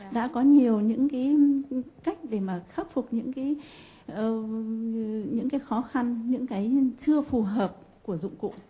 đã có nhiều những ký cách để mà khắc phục những ký ơ những cái khó khăn những cái chưa phù hợp của dụng cụ